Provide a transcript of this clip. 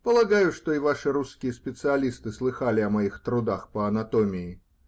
полагаю, что и ваши русские специалисты слыхали о моих трудах по анатомии.